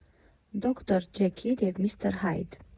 Դոկտոր Ջեքիլ և Միսթր Հայդ։